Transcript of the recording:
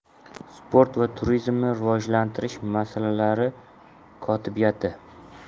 sport va turizmni rivojlantirish masalalari kotibiyati